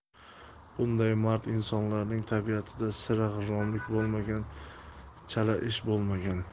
bunday mard insonlarning tabiatida sira g'irromlik bo'lmagan chala ish bo'lmagan